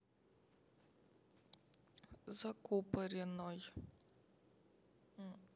закупореной